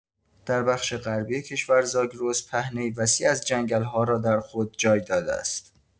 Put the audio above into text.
در بخش غربی کشور، زاگرس پهنه‌ای وسیع از جنگل‌ها را در خود جای داده است.